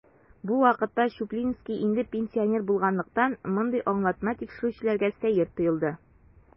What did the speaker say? Бу вакытка Чуплинский инде пенсионер булганлыктан, мондый аңлатма тикшерүчеләргә сәер тоелды.